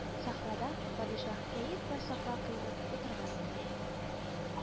Сахрада падишаһ кәеф вә сафа кыйлып утырган икән